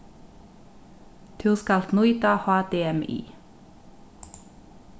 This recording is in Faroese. tú skalt nýta hdmi